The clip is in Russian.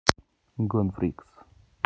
гон фрикс